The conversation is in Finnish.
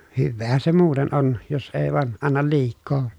hyväähän se muuten on jos ei vain anna liikaa